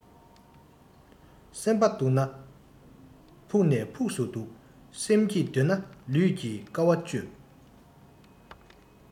སེམས པ སྡུག པ ཕུགས ནས ཕུགས སུ སྡུག སེམས སྐྱིད འདོད ན ལུས ཀྱིས དཀའ བ སྤྱོད